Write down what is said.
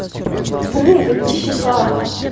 прыгать на щеках